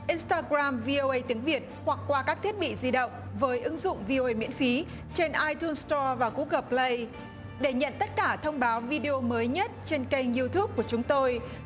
in ta ram vi ô ây tiếng việt hoặc qua các thiết bị di động với ứng dụng vi ô ây miễn phí trên ai tun to và gúc gờ pờ lây để nhận tất cả thông báo vi đi ô mới nhất trên kênh diu túp của chúng tôi